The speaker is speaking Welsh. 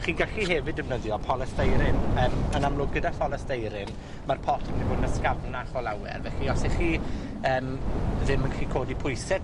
chi'n gallu hefyd defnyddio polysteiryn. Yym, yn amlwg, gyda pholysteiryn,, ma'r pot yn myn' i fod yn ysgafnach o lawer. Felly, os 'ych chi, yym, ddim yn gallu codi pwyse,